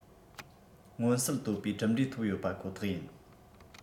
མངོན གསལ དོད པའི གྲུབ འབྲས ཐོབ ཡོད པ ཁོ ཐག ཡིན